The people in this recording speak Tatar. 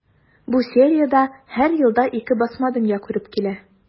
Бу сериядә һәр елда ике басма дөнья күреп килә.